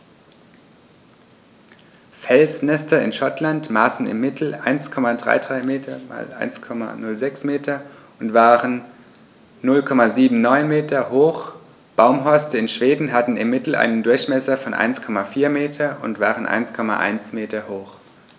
Felsnester in Schottland maßen im Mittel 1,33 m x 1,06 m und waren 0,79 m hoch, Baumhorste in Schweden hatten im Mittel einen Durchmesser von 1,4 m und waren 1,1 m hoch.